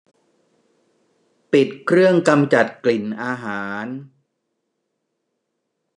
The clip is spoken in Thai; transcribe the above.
ปิดเครื่องกำจัดกลิ่นอาหาร